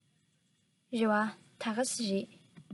རེ བ ད ག ཟེ རེད